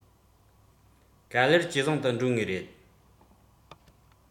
ག ལེར ཇེ བཟང དུ འགྲོ ངེས རེད